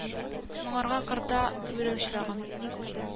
Моңарга кырда бүре очраган